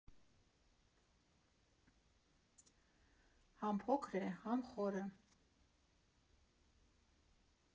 Համ փոքր է, համ խորը։